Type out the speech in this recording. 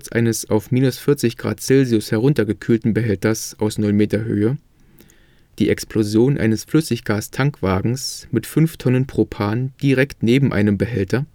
eines auf −40 °C heruntergekühlten Behälters aus 9 m Höhe, Explosion eines Flüssiggastankwagens mit 5 t Propan direkt neben einem Behälter